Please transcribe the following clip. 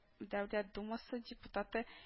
Дәүләт Думасы депутаты